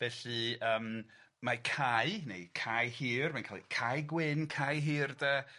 Felly yym mae Cai neu Cai Hir, mae'n cael ei Cai Gwyn, Cai Hir de